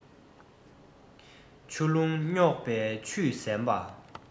ཆུ ཀླུང རྙོག པས ཆུད གཟན པ